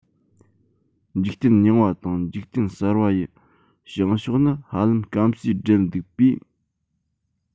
འཇིག རྟེན རྙིང བ དང འཇིག རྟེན གསར པ ཡི བྱང ཕྱོགས ནི ཧ ལམ སྐམ སས སྦྲེལ འདུག པས